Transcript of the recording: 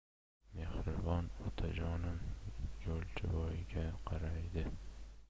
mehribon otajonim yo'lchiboyga qaraydi